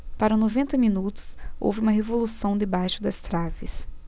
para noventa minutos houve uma revolução debaixo das traves